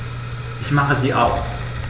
Ich mache sie aus.